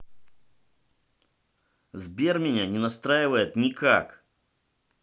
сбер меня не настраивает никак